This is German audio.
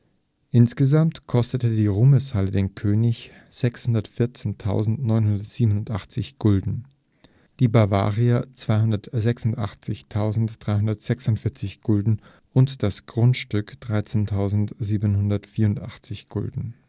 Insgesamt kostete die Ruhmeshalle den König 614.987 Gulden, die Bavaria 286.346 Gulden und das Grundstück 13.784 Gulden